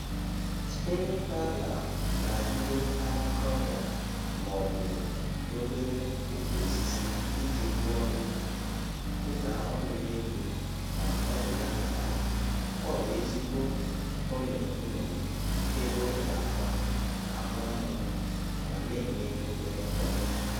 Spiny Babbler na-arịgo alaka ọhịa ma ọ bụ obere ukwu osisi iji gụọ egwu, tụga ọnụ ya elu ma ọdụ ya n'ala. Ọ bụ ezigbo ome nṅomi, ebe obere ákwá, amụ amụ ma na-eme obere mkpọtụ.